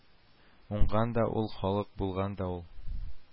Уңган да ул халык, булган да ул